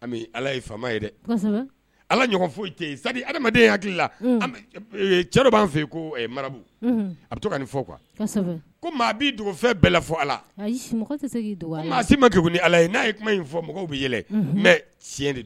Ala ye faama ye ala ɲɔgɔn foyi cɛ sa adamaden hakilila cro b'an fɛ yen kobu a bɛ to ka nin fɔ kuwa ko maa'i dogo fɛn bɛɛ la fɔ ala maa si ma kɛku ni ala ye n'a ye kuma in fɔ mɔgɔw bɛɛlɛn mɛ tiɲɛ de